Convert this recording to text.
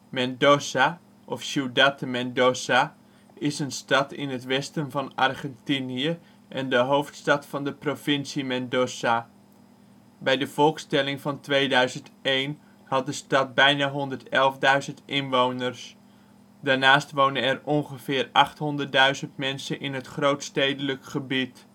Mendoza of Ciudad de Mendoza is een stad in het westen van Argentinië en de hoofdstad van de provincie Mendoza. Bij de volkstelling van 2001 had de stad bijna 111.000 inwoners. Daarnaast wonen er ongeveer 800.000 mensen in het grootstedelijk gebied